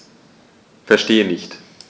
Verstehe nicht.